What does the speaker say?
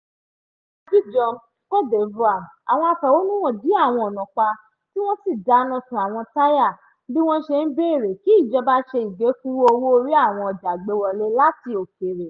Ní Abidjan, Cote d'Ivoire, àwọn afẹ̀hónúhàn dí àwọn ọ̀nà pa tí wọ́n sì dáná sun àwọn táyà, bí wọ́n ṣe ń bèèrè kí ìjọba ṣe ìgékúrú owó-orí àwọn ọjà àgbéwọlé láti òkèèrè.